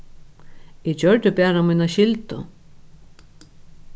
eg gjørdi bara mína skyldu